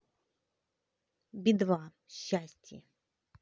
би два счастье